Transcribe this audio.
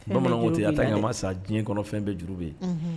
Bamananw tɛ' taa ɲamama sa diɲɛ kɔnɔfɛn bɛɛ juru bɛ ye